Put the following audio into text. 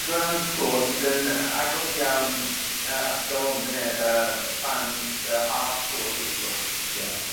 grand tour sydd yn agos iawn yy at galone yy ffans yy hard core seiclo. Ie.